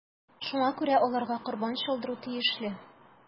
Шуңа күрә аларга корбан чалдыру тиешле.